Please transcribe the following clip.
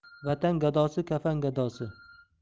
vatan gadosi kafan gadosi